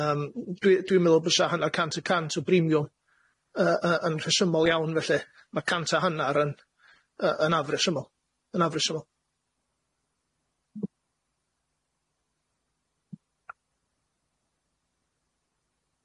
Yym dwi dwi'n meddwl bysa hannar cant y cant o brimiwm yy yy yn rhesymol iawn felly ma' cant a hannar yn yy yn afresymol yn afresymol.